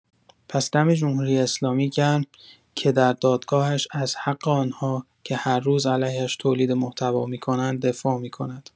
پس دم جمهوری‌اسلامی گرم که در دادگاهش، از حق آنها که هر روز علیه ش تولید محتوا می‌کنند دفاع می‌کنند.